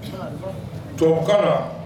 Tobabu ka